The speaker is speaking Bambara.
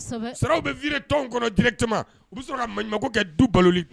Bɛ bɛ kɛ du balo